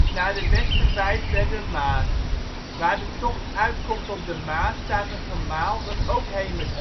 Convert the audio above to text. naar de Westerwijtwerdermaar. Waar de tocht uitkomt op de maar staat een gemaal dat ook Hemert